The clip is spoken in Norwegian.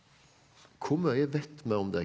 hvor mye vet vi om det?